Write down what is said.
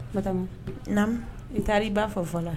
Na i taara i b'a fɔ fa la